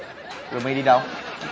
rồi may đi đâu